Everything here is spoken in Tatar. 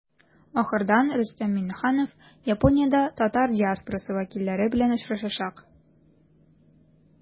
Ахырдан Рөстәм Миңнеханов Япониядә татар диаспорасы вәкилләре белән очрашачак.